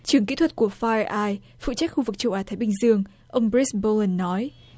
trường kỹ thuật của phai ai phụ trách khu vực châu á thái bình dương ông ghít bô mừn nói